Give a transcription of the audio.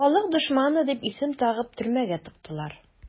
"халык дошманы" дип исем тагып төрмәгә тыктылар.